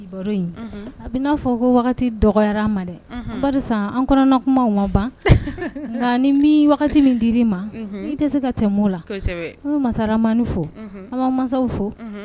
A bɛ n'a fɔ ko dɔgɔ ma dɛ ba an kɔnɔna kuma ma ban nka ni wagati min di i ma i tɛ se ka tɛmɛ maaw la an bɛ masamani fo an bɛ masaw fo